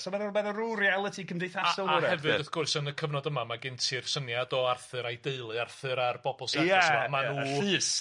So ma' rw- ma' 'na rw realiti cymdeithasol... A a hefyd wrth gwrs yn y cyfnod yma, ma' gen ti'r syniad o Arthur a'i deulu, Arthur a'r bobl ma' nw... Y llys de.